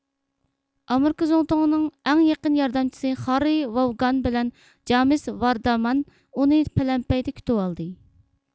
ئامېرىكا زۇڭتۇڭىنىڭ ئەڭ يېقىن ياردەمچىسى خاررى ۋاۋگان بىلەن جامېس ۋاردامان ئۇنى پەلەمپەيدە كۈتۈۋالدى